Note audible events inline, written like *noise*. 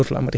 *hesitation* *hesitation*